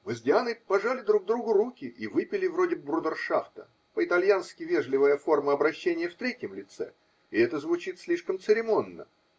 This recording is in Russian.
-- Мы с Дианой пожали друг другу руки и выпили вроде брудершафта: по итальянски вежливая форма обращения -- в третьем лице, и это звучит слишком церемонно